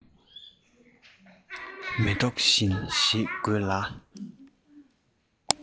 མེ ཏོག བཞིན བཞེད དགོས ལ